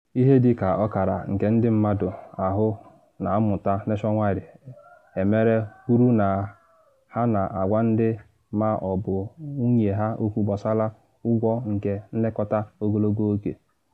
Ihe dị ka okara nke ndị mmadụ ahụ na mmụta Nationwide emere kwuru na ha na agwa di ma ọ bụ nwunye ha okwu gbasara ụgwọ nke nlekọta ogologo oge.